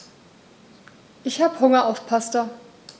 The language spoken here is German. Ich habe Hunger auf Pasta.